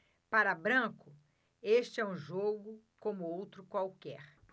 para branco este é um jogo como outro qualquer